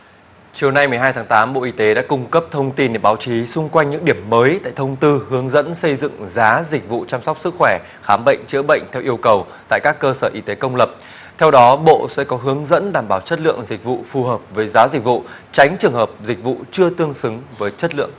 chiều nay mười hai tháng tám bộ y tế đã cung cấp thông tin để báo chí xung quanh những điểm mới tại thông tư hướng dẫn xây dựng giá dịch vụ chăm sóc sức khỏe khám bệnh chữa bệnh theo yêu cầu tại các cơ sở y tế công lập theo đó bộ sẽ có hướng dẫn đảm bảo chất lượng dịch vụ phù hợp với giá dịch vụ tránh trường hợp dịch vụ chưa tương xứng với chất lượng